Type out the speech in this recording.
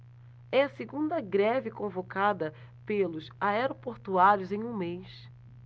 é a segunda greve convocada pelos aeroportuários em um mês